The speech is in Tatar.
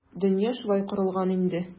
Дөнья шулай корылган инде.